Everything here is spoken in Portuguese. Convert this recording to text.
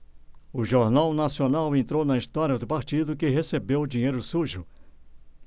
o jornal nacional entrou na história do partido que recebeu dinheiro sujo